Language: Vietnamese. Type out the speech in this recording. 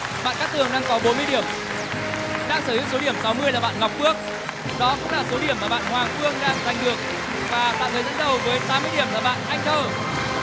bạn cát tường đang có bốn mươi điểm đang sở hữu số điểm sáu mươi là bạn ngọc phước đó cũng là số điểm mà bạn hoàng phương đang dành được và tạm thời dẫn đầu với tám mươi điểm là bạn anh thơ